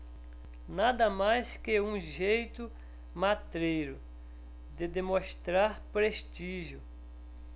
nada mais que um jeito matreiro de demonstrar prestígio